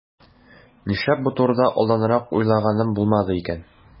Нишләп бу турыда алданрак уйлаганым булмады икән?